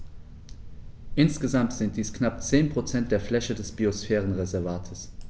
Insgesamt sind dies knapp 10 % der Fläche des Biosphärenreservates.